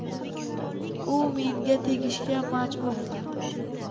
u menga tegishga majbur